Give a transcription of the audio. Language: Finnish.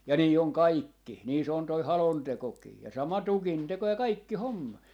ja niin on kaikki niin se on tuo halontekokin ja sama tukinteko ja kaikki homma